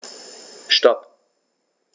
Stop.